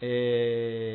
Ɛɛ